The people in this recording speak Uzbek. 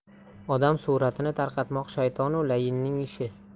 odam suratini tarqatmoq shaytonu lainning ishi